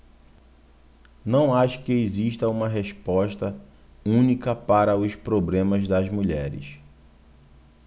não acho que exista uma resposta única para os problemas das mulheres